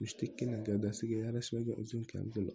mushtdekkina gavdasiga yarashmagan uzun kamzul